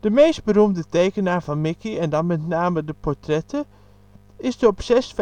meest beroemde tekenaar van Mickey, en dan met name de portretten, is